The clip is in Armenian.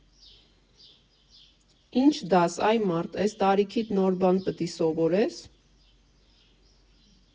Ի՞նչ դաս, այ մարդ, էս տարիքիդ նոր բան պդի սովորե՞ս։